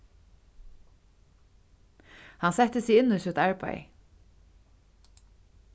hann setti seg inn í sítt arbeiði